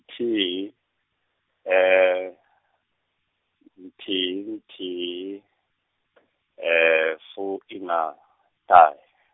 thihi, nthihi nthihi , fuiṋaṱahe.